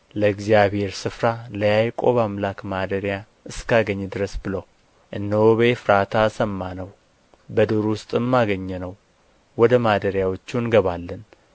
ለእግዚአብሔር ስፍራ ለያዕቆብ አምላክ ማደሪያ እስካገኝ ድረስ ብሎ እነሆ በኤፍራታ ሰማነው በዱር ውስጥም አገኘነው ወደ ማደሪያዎቹ እንገባለን